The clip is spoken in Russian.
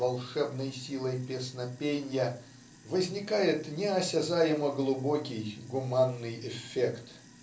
"волшебной силой песнопенья" возникает неосязаемо-глубокий гуманный эффект.